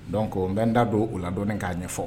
Dɔn ko n bɛ n da don u ladɔn k'a ɲɛ ɲɛfɔ